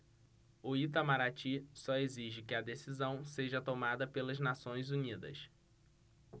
o itamaraty só exige que a decisão seja tomada pelas nações unidas